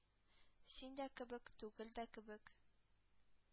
Син дә кебек, түгел дә кебек.